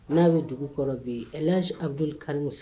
N'a bɛ dugu kɔrɔ bɛ yen adu kari san